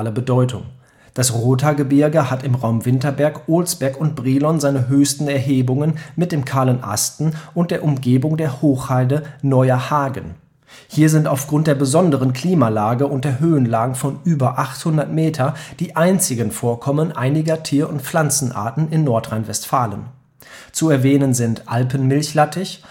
Bedeutung. Das Rothaargebirge hat im Raum Winterberg, Olsberg und Brilon seine höchsten Erhebungen mit dem Kahlen Asten und der Umgebung der Hochheide Neuer Hagen. Hier sind auf Grund der besonderen Klimalage und der Höhenlagen von über 800 Meter die einzigen Vorkommen einiger Tier - und Pflanzenarten in Nordrhein-Westfalen. Zu erwähnen sind Alpen-Milchlattich